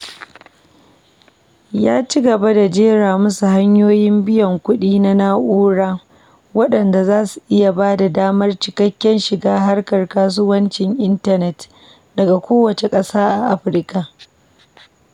Ya ci gaba da jera wasu hanyoyin biyan kuɗi na na'ura waɗanda za su iya ba da damar cikakken shiga harkar kasuwancin intanet daga kowace ƙasa a Afirka.